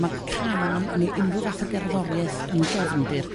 Ma' cân yn.. ne' unrhyw fath o gerddori'eth yn gefndir